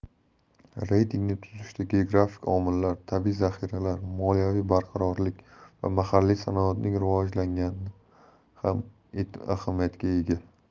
reytingni tuzishda geografik omillar tabiiy zaxiralar moliyaviy barqarorlik va mahalliy sanoatning rivojlangani ham ahamiyatga ega